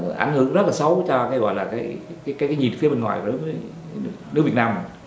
ảnh hưởng rất xấu cho cái gọi là cái cái cái nhìn phía bên ngoài đối với nước việt nam mình